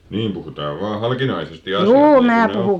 niin puhutaan vain halkinaisesti asiat niin kuin ne on